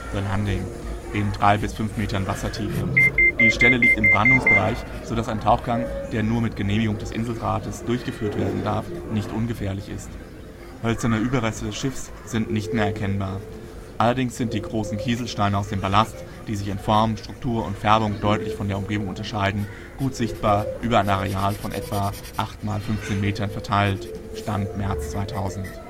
Landing ") in 3 bis 5 Metern Wassertiefe. Die Stelle liegt im Brandungsbereich, sodass ein Tauchgang – der nur mit Genehmigung des Inselrates durchgeführt werden darf – nicht ungefährlich ist. Hölzerne Überreste des Schiffes sind nicht mehr erkennbar, allerdings sind die großen Kieselsteine aus dem Ballast, die sich in Form, Struktur und Färbung deutlich von der Umgebung unterscheiden, gut sichtbar über ein Areal von etwa 8 x 15 Metern verteilt (Stand März 2000